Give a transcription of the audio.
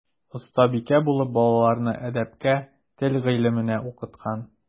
Остабикә булып балаларны әдәпкә, тел гыйлеменә укыткан.